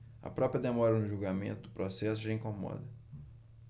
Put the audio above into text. a própria demora no julgamento do processo já incomoda